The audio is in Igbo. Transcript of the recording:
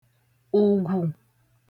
ùgwù